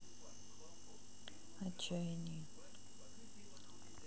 отчаяние